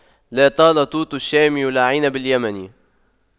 لا طال توت الشام ولا عنب اليمن